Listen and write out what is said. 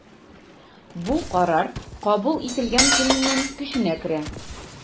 Бу карар кабул ителгән көннән көченә керә.